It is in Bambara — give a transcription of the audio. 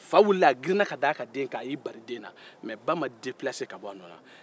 fa girinna ka wuli ka da a den kan k'i bari a la mɛ ba ma bɔ a nɔ na